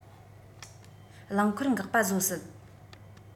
རླངས འཁོར འགག པ བཟོ སྲིད